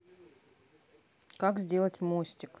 как сделать мостик